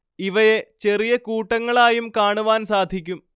ഇവയെകൂട്ടങ്ങളായും ചെറിയ കാണുവാൻ സാധിക്കും